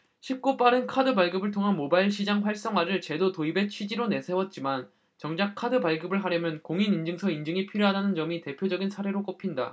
쉽고 빠른 카드 발급을 통한 모바일 시장 활성화를 제도 도입의 취지로 내세웠지만 정작 카드 발급을 하려면 공인인증서 인증이 필요하다는 점이 대표적인 사례로 꼽힌다